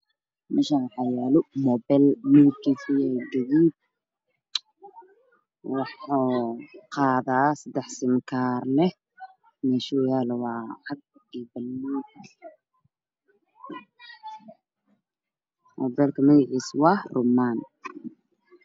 Meeshaan ha iga muuqda mo beel guduud ah ku qaadaa saddex siinkaar meeshuu yaalo waa buluug iyo caddaan isku jiro